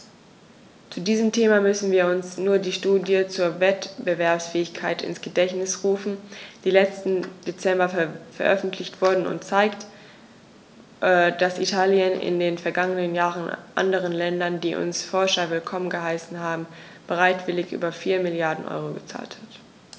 Zu diesem Thema müssen wir uns nur die Studie zur Wettbewerbsfähigkeit ins Gedächtnis rufen, die letzten Dezember veröffentlicht wurde und zeigt, dass Italien in den vergangenen Jahren anderen Ländern, die unsere Forscher willkommen geheißen haben, bereitwillig über 4 Mrd. EUR gezahlt hat.